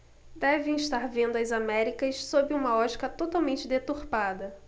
devem estar vendo as américas sob uma ótica totalmente deturpada